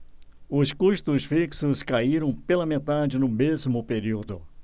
os custos fixos caíram pela metade no mesmo período